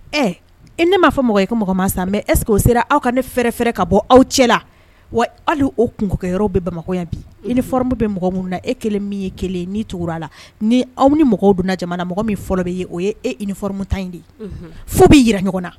Ɛ i ne m'a fɔ mɔgɔ i ko mɔgɔ maa san mɛ esseke'o sera aw ka ne fɛɛrɛ fɛrɛɛrɛ ka bɔ aw cɛ la wa hali o kunkɛ yɔrɔ bɛ bamakɔ yan bi i nimu bɛ mɔgɔ minnu na e kelen min ye kelen ni tugu a la ni aw ni mɔgɔ donna jamana mɔgɔ min fɔlɔ bɛ o ye e nioromuta in de ye fo bɛ jira ɲɔgɔn na